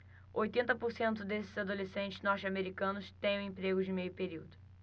oitenta por cento desses adolescentes norte-americanos têm um emprego de meio período